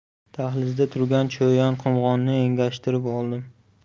dahlizda turgan cho'yan qumg'onni engashtirib oldim